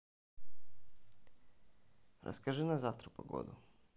расскажи на завтра погоду